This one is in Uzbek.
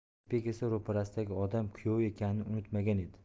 asadbek esa ro'parasidagi odam kuyovi ekanini unutmagan edi